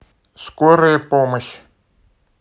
скорая помощь